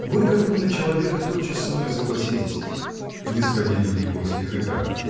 "Вы, как умный человек, тотчас со мной согласитесь", -- не сходили у него с языка.